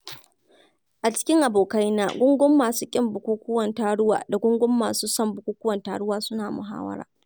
A cikin abokaina, gungun masu ƙin bukukuwan Turawa da gungun masu son bukukuwan Turawa suna muhawara.